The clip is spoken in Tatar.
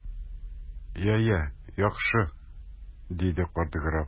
Я, я, яхшы! - диде карт граф.